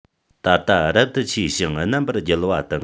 ད ལྟ རབ ཏུ ཆེ ཞིང རྣམ པར རྒྱལ བ དང